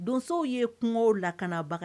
Donsow ye kungo lak bagan